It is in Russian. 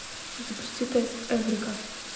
запусти тест эврика